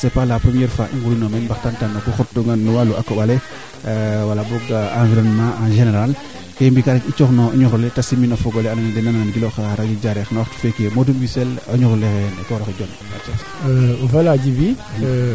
d' accord xan i numtu wiidoyo teen fogum nuun wee ando naye nuun na yond nuwa no affaire a kombale te ref environmataliste ke xaƴna o ndaayo fo o mbelaxi nax a refka peut etre yaanu mbetenel aussi no kee ando naye ten rend 'u